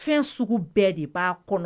Fɛn sugu bɛɛ de b'a kɔnɔ